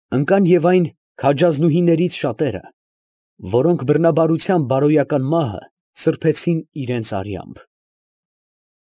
Ընկան և այն քաջազնուհիներից շատերը, որոնք բռնաբարության բարոյական մահը սրբեցին իրանց արյամբ…։